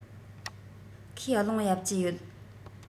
ཁོས རླུང གཡབ གྱི ཡོད